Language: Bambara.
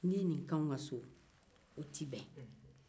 n'i ye ninkɛ an anw ka so o tɛ bɛn